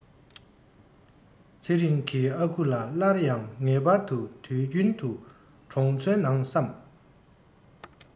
ཚེ རིང གི ཨ ཁུ ལ སླར ཡང ངེས པར དུ དུས རྒྱུན དུ གྲོང ཚོའི ནང བསམ